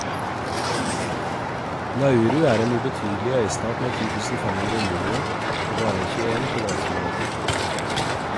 Nauru er en ubetydelig øystat med 10.500 innbyggere, på bare 21 kvadratkilometer.